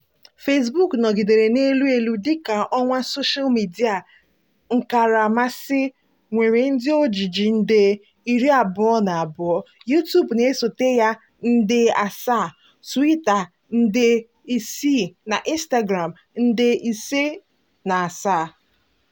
Facebook nọgidere na-elu elu dị ka ọwa soshaa midịa nkaramasị nwere ndị ojiji nde 22, YouTube na-esote ya (nde 7+), Twitter (nde 6) na Instagram (nde 5.7).